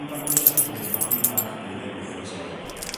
...'i fabwysiadu yn fabi bach deuddeg wythnos oed.